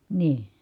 niin